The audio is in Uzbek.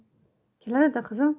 keladi da qizim